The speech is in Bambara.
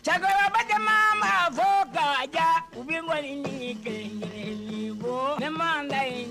Cɛkɔrɔba caman ma fo ka diya u bɛ bɔ ni ko ma